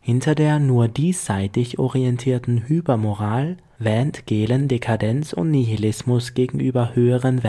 Hinter der nur diesseitig orientierten Hypermoral wähnt Gehlen Dekadenz und Nihilismus gegenüber höheren